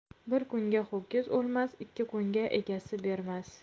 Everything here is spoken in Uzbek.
bir kunga ho'kiz o'lmas ikki kunga egasi bermas